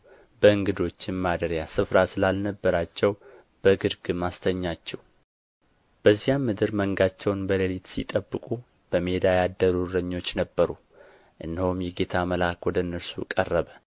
በእንግዶችም ማደሪያ ስፍራ ስላልነበራቸው በግርግም አስተኛችው በዚያም ምድር መንጋቸውን በሌሊት ሲጠብቁ በሜዳ ያደሩ እረኞች ነበሩ እነሆም የጌታ መልአክ ወደ እነርሱ ቀረበ